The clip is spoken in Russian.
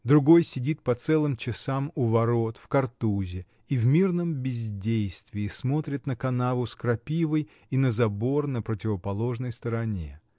Другой сидит по целым часам у ворот, в картузе, и в мирном бездействии смотрит на канаву с крапивой и на забор на противоположной стороне.